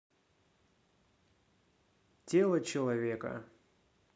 тело человека